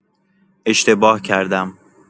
اشتباه کردم.